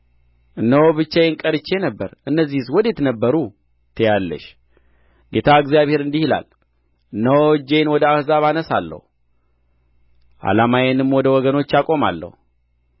እነሆ ብቻዬን ቀርቼ ነበር እነዚህስ ወዴት ነበሩ ትያለሽ ጌታ እግዚአብሔር እንዲህ ይላል እነሆ እጄን ወደ አሕዛብ አነሣለሁ ዓለማዬንም ወደ ወገኖች አቆማለሁ